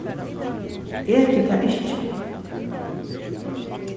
etið tað ikki